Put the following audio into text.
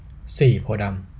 สี่โพธิ์ดำ